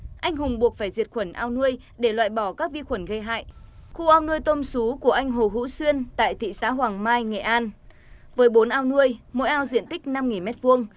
anh hùng buộc phải diệt khuẩn ao nuôi để loại bỏ các vi khuẩn gây hại khu ao nuôi tôm sú của anh hồ vũ xuyên tại thị xã hoàng mai nghệ an với bốn ao nuôi mỗi ao diện tích năm nghìn mét vuông